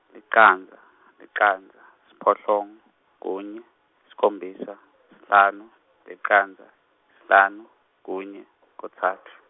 licandza, licandza, siphohlongo, kunye, sikhombisa, sihlanu, licandza, sihlanu, kunye, kutsatfu.